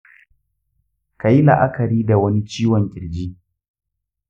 kayi la'akari da wani ciwon kirji?